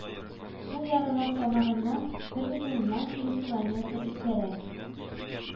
Сул ярына тамагыннан бер бөтен уннан сигез километр өстәрәк